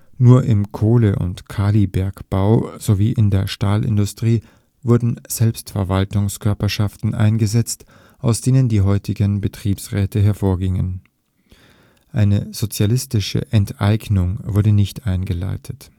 Nur im Kohle - und Kalibergbau sowie in der Stahlindustrie wurden „ Selbstverwaltungskörperschaften “eingesetzt, aus denen die heutigen Betriebsräte hervorgingen. Eine sozialistische Enteignung wurde nicht eingeleitet